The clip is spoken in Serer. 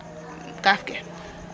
kaaf ke.